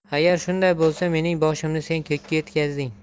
agar shunday bo'lsa mening boshimni sen ko'kka yetkazding